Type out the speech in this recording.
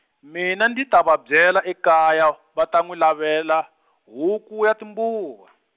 mina ndzi ta va byela ekaya, va ta n'wi lavela, huku ya timbuva.